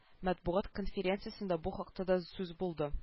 Матбугат конференциясендә бу хакта да сүз булды